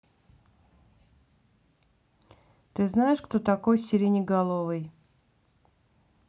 ты знаешь кто такой сиреноголовый